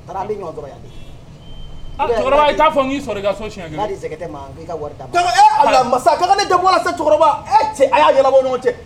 Dara, an bɛ ɲɔgɔn sɔrɔ yan; a, cɛkɔrɔba, i t'a fɔ n k'i sɔrɔ i ka so senɲɛ kelen; n b'a di Zɛkɛtɛ ma,n k'i ka wari d'a ma; ka fɔ, ee Ala, Masa k'a ka ne da bɔ a la sa, cɛkɔrɔba. Ee cɛ a y'a ɲanabɔ aw ni ɲɔgɔn cɛ.